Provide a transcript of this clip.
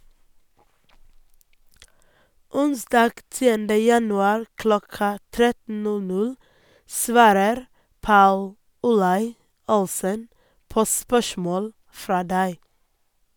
Onsdag 10. januar klokka 13.00 svarer Paul Olai Olssen på spørsmål fra deg.